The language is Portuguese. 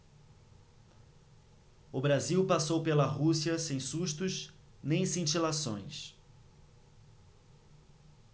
o brasil passou pela rússia sem sustos nem cintilações